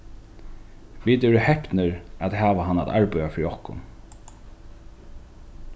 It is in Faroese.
vit eru hepnir at hava hann at arbeiða fyri okkum